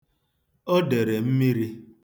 O dere mmiri.